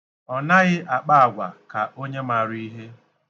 Ọ naghị akpa agwa ka onye mara ihe.